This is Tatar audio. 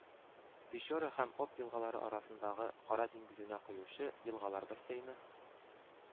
Печора һәм Об елгалары арасындагы, Кара диңгезенә коючы, елгалар бассейны